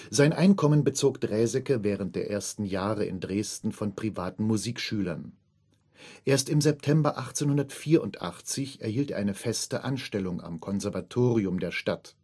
Sein Einkommen bezog Draeseke während der ersten Jahre in Dresden von privaten Musikschülern. Erst im September 1884 erhielt er eine feste Anstellung am Konservatorium der Stadt